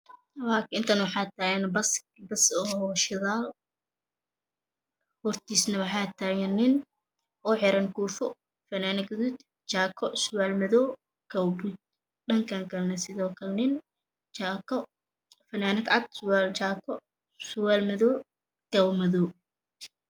Inta waxaa tagan pas oo shidaal hortiisna waxaa tagan nin oo xiran koofi funand guduud jaako surwaal madow kapo puud dhankaana sidookle nin jako fanad cad surwaal madow kapo madow